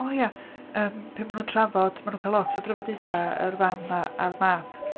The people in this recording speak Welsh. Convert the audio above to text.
O ia, yym, pan ma' nhw'n trafod, ma' nhw'n cael lot o drafodaethau, yr fam a, a'r mab.